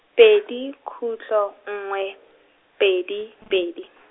pedi khutlo nngwe, pedi pedi.